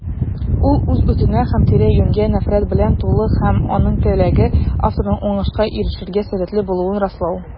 Ул үз-үзенә һәм тирә-юньгә нәфрәт белән тулы - һәм аның теләге: авторның уңышка ирешергә сәләтле булуын раслау.